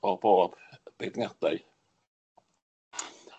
o bob beirniadaeth.